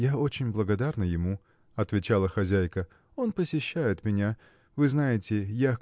я очень благодарна ему, – отвечала хозяйка. – Он посещает меня. Вы знаете я